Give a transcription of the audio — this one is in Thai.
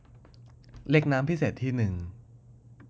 เล็กน้ำพิเศษที่นึง